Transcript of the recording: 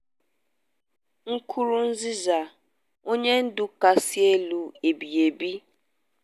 Nkurunziza, onye ndu kachasị elu ebighi ebi'